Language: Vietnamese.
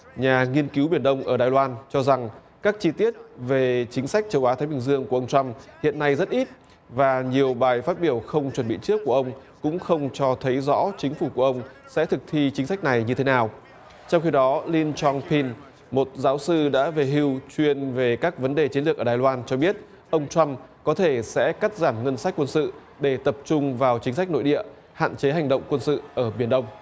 nhà nghiên cứu biển đông ở đài loan cho rằng các chi tiết về chính sách châu á thái bình dương của ông trăm hiện nay rất ít và nhiều bài phát biểu không chuẩn bị trước của ông cũng không cho thấy rõ chính phủ của ông sẽ thực thi chính sách này như thế nào trong khi đó lin chong pin một giáo sư đã về hưu chuyên về các vấn đề chiến lược ở đài loan cho biết ông trăm có thể sẽ cắt giảm ngân sách quân sự để tập trung vào chính sách nội địa hạn chế hành động quân sự ở biển đông